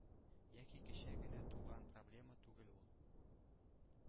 Яки кичә генә туган проблема түгел ул.